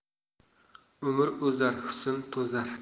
umr o'zar husn to'zar